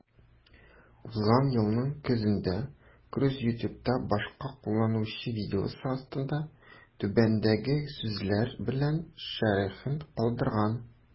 Узган елның көзендә Круз YouTube'та башка кулланучы видеосы астында түбәндәге сүзләр белән шәрехен калдырган: